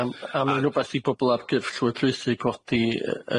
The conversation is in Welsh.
Yym a ma'n rwbeth i bobol ar gyrff llywodraethu codi yy